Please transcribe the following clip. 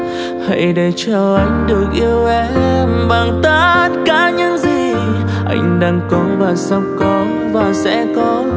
hãy để cho anh được yêu em bằng tất cả những gì anh đang có và sắp có và sẽ có